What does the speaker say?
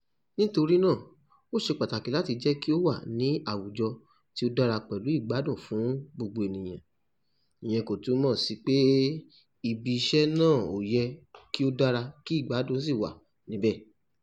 Nítorí náà ó ṣe pàtàkì láti jẹ kí ó wà ní àwùjọ tí ó dára pẹ̀lú ìgbádùn fún gbogbo ènìyàn (ìyẹn kò túmọ̀ sí pé ibi iṣẹ́ náà ò yẹ kí o dára kí ìgbádùn sì wà níbẹ̀...).